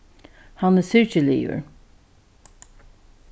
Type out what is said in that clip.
hann er syrgiligur